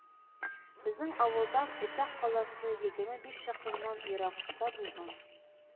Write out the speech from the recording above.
Безнең авылдан Өтәк каласы егерме биш чакрымнар ераклыкта булган